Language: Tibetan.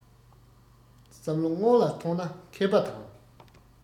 བསམ བློ སྔོན ལ ཐོངས ན མཁས པ དང